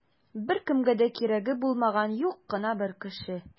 Беркемгә дә кирәге булмаган юк кына бер кеше.